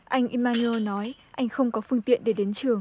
anh i ma li ô nói anh không có phương tiện để đến trường